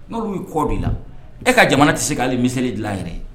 N'i kɔ de la e ka jamana tɛ se k'ale misa dilan yɛrɛ